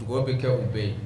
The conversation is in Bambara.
Dugawu bɛ kɛ o bɛɛ yen